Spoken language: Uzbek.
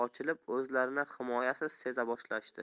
ochilib o'zlarini himoyasiz seza boshlashdi